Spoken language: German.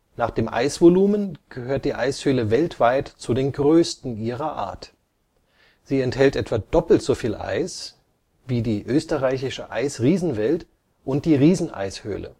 Nach dem Eisvolumen gehört die Eishöhle weltweit zu den größten ihrer Art. Sie enthält etwa doppelt soviel Eis wie die österreichische Eisriesenwelt und die Rieseneishöhle